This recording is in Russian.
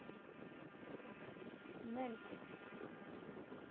нэнси